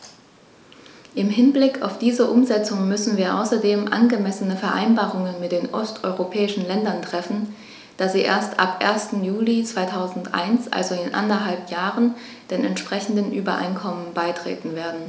Im Hinblick auf diese Umsetzung müssen wir außerdem angemessene Vereinbarungen mit den osteuropäischen Ländern treffen, da sie erst ab 1. Juli 2001, also in anderthalb Jahren, den entsprechenden Übereinkommen beitreten werden.